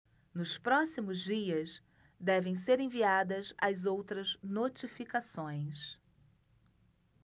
nos próximos dias devem ser enviadas as outras notificações